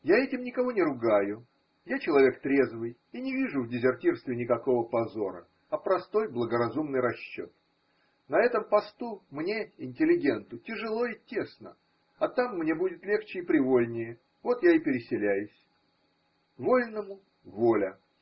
Я этим никого не ругаю, я человек трезвый и не вижу в дезертирстве никакого позора, а простой благоразумный расчет: на этом посту мне, интеллигенту, тяжело и тесно, а там мне будет легче и привольнее – вот я и переселяюсь. Вольному воля.